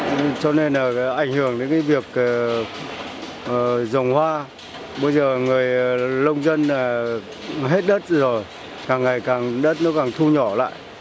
cho nên là ảnh hưởng đến cái việc ờ ờ dồng hoa bây giờ người nông dân là hết đất rồi càng ngày càng đất nó càng thu nhỏ lại